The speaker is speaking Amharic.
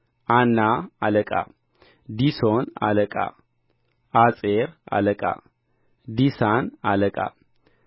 ዓና አለቃ ዲሶን አለቃ ኤጽር አለቃ ዲሳን አለቃ